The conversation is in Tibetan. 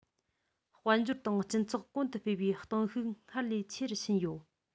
དཔལ འབྱོར དང སྤྱི ཚོགས གོང དུ སྤེལ བའི གཏིང ཤུགས སྔར ལས ཆེ རུ ཕྱིན ཡོད